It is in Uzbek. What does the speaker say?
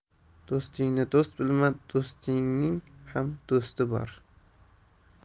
do'stingni do'st bilma do'stingning ham do'sti bor